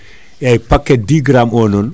eyyi paquet 10G o non